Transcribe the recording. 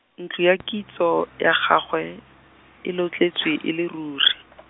ntlo ya kitso, ya gagwe, e lotletswe e le rure .